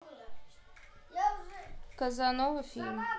казанова фильм